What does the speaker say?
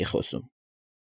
Էի խոսում։